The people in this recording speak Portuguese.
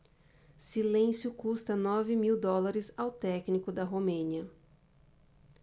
silêncio custa nove mil dólares ao técnico da romênia